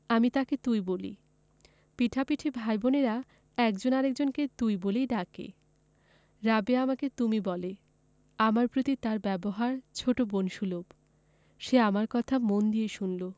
আমি তাকে তুই বলি পিঠাপিঠি ভাই বোনের একজন আরেক জনকে তুই বলেই ডাকে রাবেয়া আমাকে তুমি বলে আমার প্রতি তার ব্যবহার ছোট বোন সুলভ সে আমার কথা মন দিয়ে শুনলো